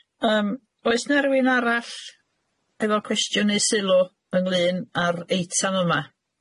yym oes 'na rywun arall efo cwestiwn neu sylw ynglŷn â'r eitam yma?